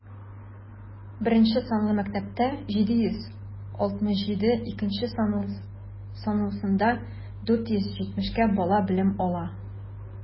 Беренче санлы мәктәптә - 767, икенче санлысында 470 бала белем ала.